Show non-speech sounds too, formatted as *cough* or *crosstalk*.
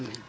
*hesitation* *hesitation*